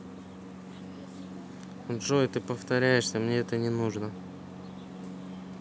джой ты повторяешься мне это не нужно